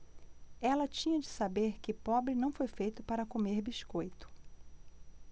ela tinha de saber que pobre não foi feito para comer biscoito